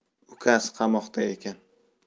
ukasi qamoqda ekan